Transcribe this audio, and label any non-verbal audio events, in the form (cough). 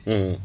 (hesitation) (hesitation)